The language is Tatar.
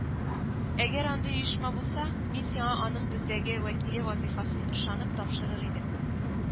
Әгәр андый оешма булса, мин сиңа аның бездәге вәкиле вазифасын ышанып тапшырыр идем